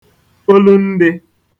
olundị̄